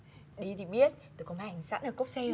đi thì biết tớ có máy ảnh sẵn ở cốp xe